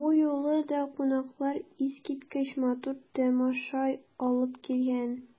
Бу юлы да кунаклар искиткеч матур тамаша алып килгән.